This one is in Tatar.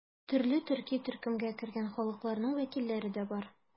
Төрле төрки төркемгә кергән халыкларның вәкилләре дә бар.